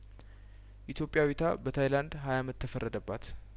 ኢትዮጵያዊቷ በታይላንድ ሀያ አመት ተፈረደባት